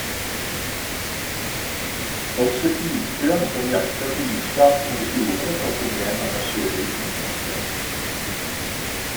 Også isbjørn som jakter på isflakene i fjordene får problemer når sjøisen smelter.